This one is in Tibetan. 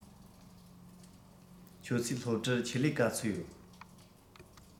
ཁྱོད ཚོའི སློབ གྲྭར ཆེད ལས ག ཚོད ཡོད